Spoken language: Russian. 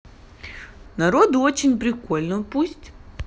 народу очень прикольно пусть